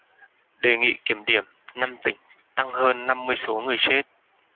đề nghị kiểm điểm năm tỉnh tăng hơn năm mươi số người chết